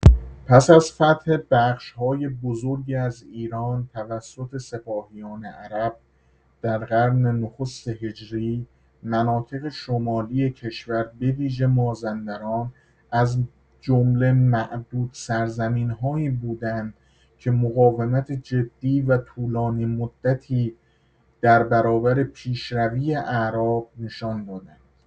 پس از فتح بخش‌های بزرگی از ایران توسط سپاهیان عرب در قرن نخست هجری، مناطق شمالی کشور به‌ویژه مازندران از جمله معدود سرزمین‌هایی بودند که مقاومت جدی و طولانی‌مدتی در برابر پیشروی اعراب نشان دادند.